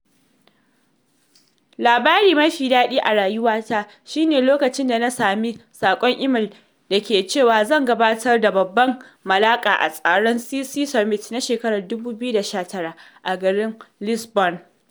Labari mafi daɗi a rayuwata shi ne lokacin da na sami saƙon email da ke cewa zan gabatar da babbar maƙala a taron CC Summit na shekarar 2019 a garin Lisbon…